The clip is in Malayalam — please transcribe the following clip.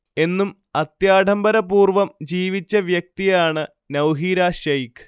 എന്നും അത്യാഢംബര പൂർവ്വം ജീവിച്ച വ്യക്തിയാണ് നൗഹീര ഷേയ്ഖ്